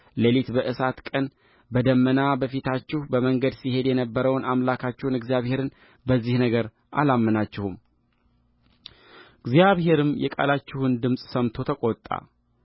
ሌሊት በእሳት ቀን በደመና በፊታችሁ በመንገድ ሲሄድ የነበረውን አምላካችሁን እግዚአብሔርን በዚህ ነገር አላመናችሁምእግዚአብሔርም የቃላችሁን ድምፅ ሰምቶ ተቆጣ